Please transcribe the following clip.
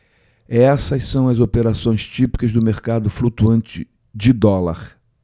essas são as operações típicas do mercado flutuante de dólar